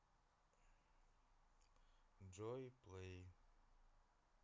джой плей